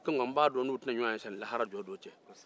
ko nka an b'a don an tɛna ɲɔgɔn ye sanni lahara jɔdon cɛ